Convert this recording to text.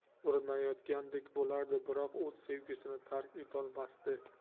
urinayotgandek bo'lardi biroq o'z sevgisini tark etolmasdi